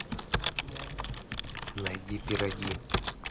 найди пироги